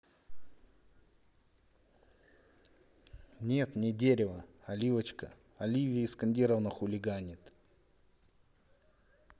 нет не дерево а ливочка оливия искандеровна хулиганит